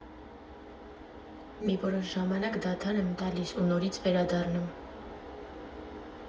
Մի որոշ ժամանակ դադար եմ տալիս ու նորից վերադառնում։